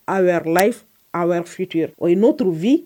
Notr vie